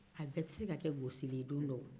a bɛɛ tɛ se ka kɛ gosili ye don dɔw